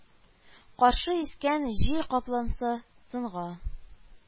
Каршы искән җил капланса тынга